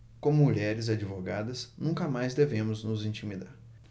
como mulheres e advogadas nunca mais devemos nos intimidar